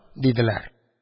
Диделәр.